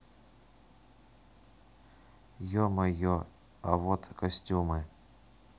е мое а вот костюмы